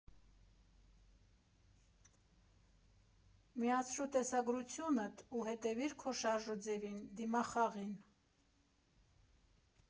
Միացրու տեսագրությունդ ու հետևիր քո շարժուձևին, դիմախաղին։